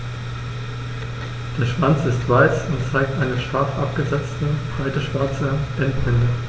Der Schwanz ist weiß und zeigt eine scharf abgesetzte, breite schwarze Endbinde.